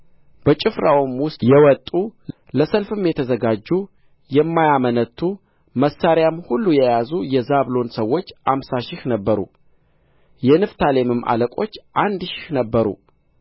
ጭፍራውም ውስጥ የወጡ ለሰልፍም የተዘጋጁ የማያመነቱ መሣሪያም ሁሉ የያዙ የዛብሎን ሰዎች አምሳ ሺህ ነበሩ የንፍታሌምም አለቆች አንድ ሺህ ነበሩ